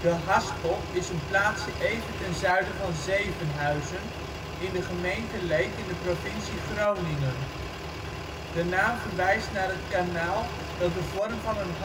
Haspel is een plaatsje even ten zuiden van Zevenhuizen in de gemeente Leek in de provincie Groningen. De naam verwijst naar het kanaal dat de vorm van